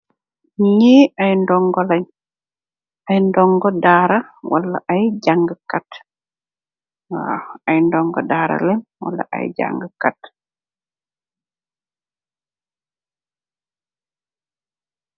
Ñii ay ndongo lèèn , ay ndongo dara Wala ay janga kai.